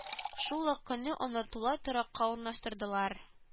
Шул ук көнне аны тулай торакка урнаштырдылар